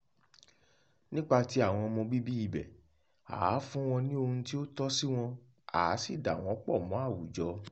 Nípa ti àwọn ọmọ bíbí ibẹ̀, à á fún wọn ní ohun tí ó tọ́ sí wọn, à á sì dà wọ́n pọ̀ mọ́ àwùjọ.